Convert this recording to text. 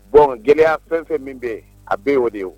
Bɔn gɛlɛya fɛn fɛn min bɛ a bɛɛ o de ye